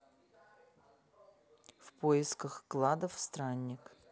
в поисках кладов странник